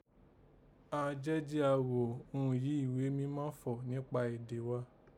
An jẹ́ jí a ghò irun yìí ìghé mímá fọ̀ níkpa èdè wa